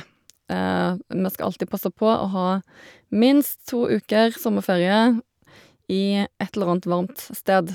Vi skal alltid passe på å ha minst to uker sommerferie i et eller annet varmt sted.